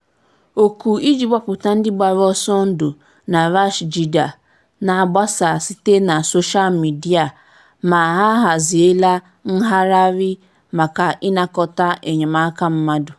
Òkù iji gbapụta ndị gbara ọsọ ndụ na Ras Jdir na-agbasa site na soshal midịa, ma a haziela ngagharị maka ịnakọta enyemaka mmadụ.